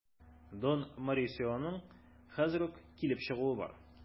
Дон Морисионың хәзер үк килеп чыгуы бар.